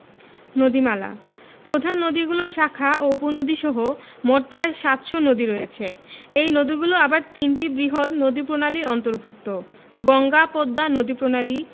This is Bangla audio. নদীমালাঃ প্রধান নদীগুলোর শাখা ও উপনদীসহ মোট প্রায় ৭০০ নদী রয়েছে এই নদীগুলো আবার তিনটি বৃহৎ নদীপ্রণালীর অন্তর্ভুক্ত গঙ্গা পদ্মা নদীপ্রণালী